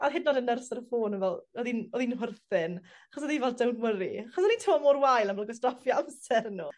A o'dd hyd yn o'd y nyrs ar y ffôn yn fel o'dd 'i'n o'dd 'i'n chwyrthin achos o'dd 'i fel don't worry achos i'n timlo mor wael am fel gwastraffu amser n'w.